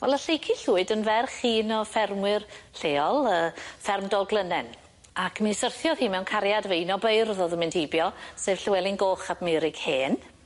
Wel o' Lleicu Llwyd yn ferch un o ffermwyr lleol yy fferm Dolglynen ac mi syrthiodd hi mewn cariad ofo un o beirdd o'dd yn mynd heibio sef Llywelyn Goch ap Meirug Hen